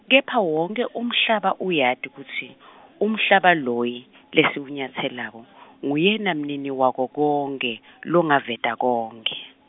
kepha wonkhe umhlaba uyati kutsi , umhlaba loyi , lesiwunyatselako , nguyenamniniwakokonkhe , longaveta konkhe.